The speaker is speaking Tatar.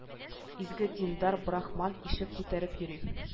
Изге диндар брахман ишәк күтәреп йөри